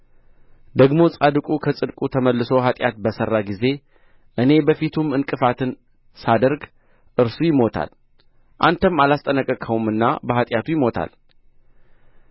ደግሞ ጻድቁ ከጽድቁ ተመልሶ ኃጢአት በሠራ ጊዜ እኔ በፊቱም ዕንቅፋትን ሳደርግ እርሱ ይሞታል አንተም አላስጠነቀቅኸውምና በኃጢአቱ ይሞታል